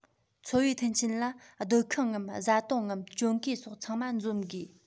འཚོ བའི མཐུན རྐྱེན ལ སྡོད ཁང ངམ བཟའ བཏུང ངམ གྱོན གོས སོགས ཚང མ འཛོམ དགོས